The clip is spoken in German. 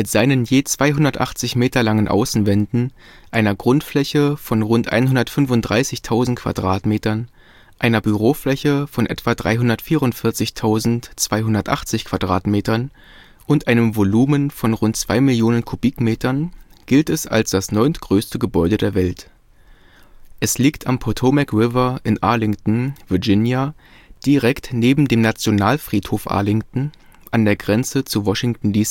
seinen je 280 Meter langen Außenwänden, einer Grundfläche von rund 135.000 Quadratmetern, einer Bürofläche von etwa 344.280 Quadratmetern und einem Volumen von rund 2 Millionen Kubikmetern gilt es als das neuntgrößte Gebäude der Welt. Es liegt am Potomac River in Arlington (Virginia) direkt neben dem Nationalfriedhof Arlington an der Grenze zu Washington, D.C. Die